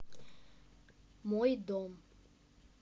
мой дом